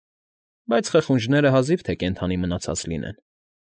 Բայց խխունջները հազիվ թե կենդանի մնացած լինեն։